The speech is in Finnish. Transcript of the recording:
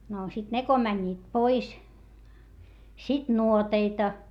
no sitten ne kun menivät pois sitten nuoteita